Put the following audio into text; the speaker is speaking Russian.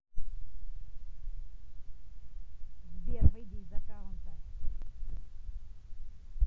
сбер выйди из аккаунта